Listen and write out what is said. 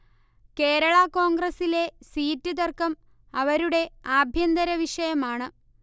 കേരള കോണ്ഗ്രസിലെ സീറ്റ് തര്ക്കം അവരുടെ ആഭ്യന്തര വിഷയമാണ്